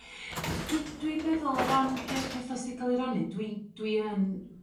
d- dwi dwi'n meddwl o ran rai o'r petha s'di ca'l 'u rannu dwi'n dwi yn